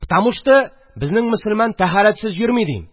Птамушто, безнең мосылман тәһәрәтсез йөрми, дим